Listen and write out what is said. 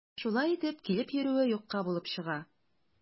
Шулай итеп, килеп йөрүе юкка булып чыга.